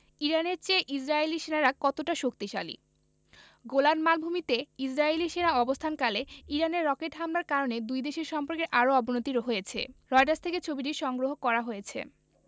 ইরানের চেয়ে ইসরায়েলি সেনারা কতটা শক্তিশালী গোলান মালভূমিতে ইসরায়েলি সেনা অবস্থানকালে ইরানের রকেট হামলার কারণে দুই দেশের সম্পর্কের আরও অবনতি হয়েছে রয়টার্স থেকে ছবিটি সংগ্রহ করা হয়েছে